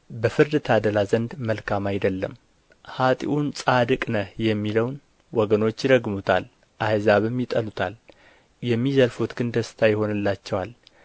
በፍርድ ታደላ ዘንድ መልካም አይደለም ኀጥኡን ጻድቅ ነህ የሚለውን ወገኖች ይረግሙታል አሕዛብም ይጠሉታል የሚዘልፉት ግን ደስታ ይሆንላቸዋል